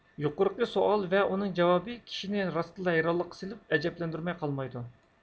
يۇقىرىقى سوئال ۋە ئۇنىڭ جاۋابى كىشىنى راستتىنلا ھەيرانلىققا سېلىپ ئەجەبلەندۈرمەي قالمايدۇ